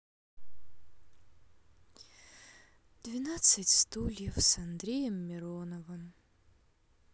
двенадцать стульев с андреем мироновым